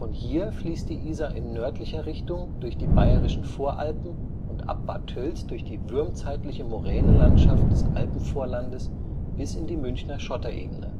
hier fließt die Isar in nördlicher Richtung durch die Bayerischen Voralpen und ab Bad Tölz durch die würmzeitliche Moränenlandschaft des Alpenvorlandes bis in die Münchner Schotterebene